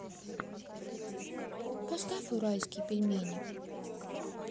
поставь уральские пельмени